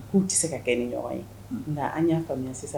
K'u tɛ se ka kɛ ni ɲɔgɔn ye nka an y'a faamuya sisan